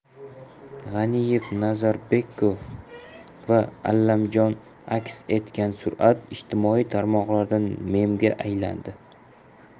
g'aniyev nazarbekov va allamjonov aks etgan surat ijtimoiy tarmoqlarda memga aylandi